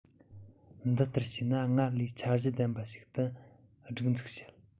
ཇི ལྟར བྱས ན སྔར ལས འཆར གཞི ལྡན པ ཞིག ཏུ སྒྲིག འཛུགས བྱེད